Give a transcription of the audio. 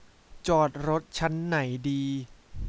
จอดรถชั้นไหนดี